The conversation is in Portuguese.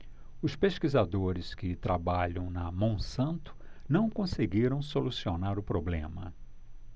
os pesquisadores que trabalham na monsanto não conseguiram solucionar o problema